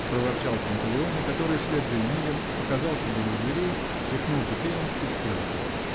-- проворчал Панталеоне, который, вслед за Эмилем, показался было у дверей, тряхнул тупеем и скрылся.